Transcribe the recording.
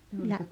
ja